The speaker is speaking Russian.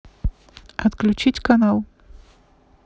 отключить канал